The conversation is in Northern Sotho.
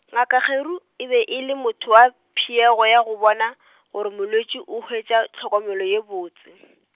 ngaka Kgeru, e be e le motho wa phišego ya go bona , gore molwetši o hwetša tlhokomelo ye botse.